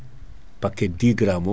paquet 10 grammes o